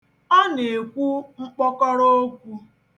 Ọ na-ekwu mkpọkọrọ okwu.